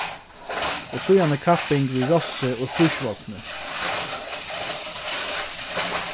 og síðani kapping við rossi og stríðsvogni